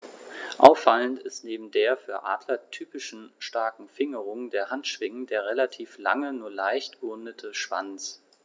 Auffallend ist neben der für Adler typischen starken Fingerung der Handschwingen der relativ lange, nur leicht gerundete Schwanz.